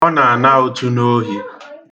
Ọ na-ana ụtụ n'ohi.